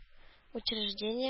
Учреждение